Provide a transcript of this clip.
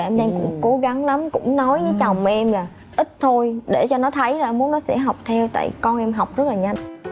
dạ em đang củng cố gắng lắm cũng nói chồng em là ít thôi để cho nó thấy muốn nó sẽ học theo tại con em học rất là nhanh